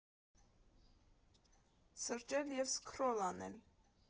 Սրճել և սքռոլ անել։